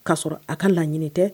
K ka'a sɔrɔ a ka laɲini tɛ